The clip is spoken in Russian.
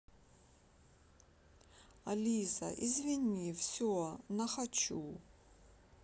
алиса извини все на хочу